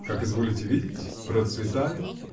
-- Как изволите видеть: процветаю.